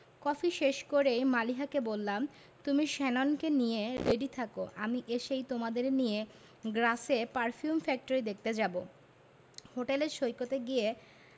coffee শেষ করেই মালিহাকে বললাম তুমি শ্যাননকে নিয়ে রেডি থেকো আমি এসেই তোমাদের নিয়ে গ্রাসে পারফিউম ফ্যাক্টরি দেখতে যাবো হোটেলের সৈকতে গিয়ে